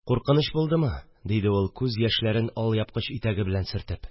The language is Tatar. – куркыныч булдымы? – диде ул күз яшьләрен алъяпкыч итәге белән сөртеп